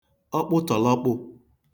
ọkpụtọ̀lọkpụ̄